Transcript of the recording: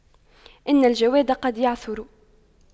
إن الجواد قد يعثر